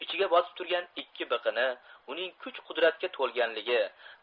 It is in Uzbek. ichiga botib turgan ikki biqini uning kuch qudratga to'lganligi